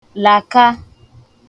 làka